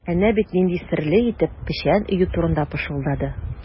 Әнә бит нинди серле итеп печән өю турында пышылдады.